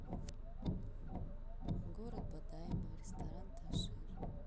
город бодайбо ресторан ташир